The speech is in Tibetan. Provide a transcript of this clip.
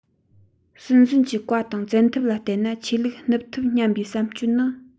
སྲིད འཛིན གྱི བཀའ དང བཙན ཐབས ལ བརྟེན ན ཆོས ལུགས སྣུབ ཐུབ སྙམ པའི བསམ སྤྱོད ནི